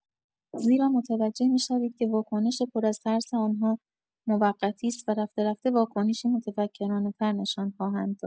زیرا متوجه می‌شوید که واکنش پر از ترس آن‌ها موقتی است و رفته‌رفته واکنشی متفکرانه‌تر نشان خواهند داد.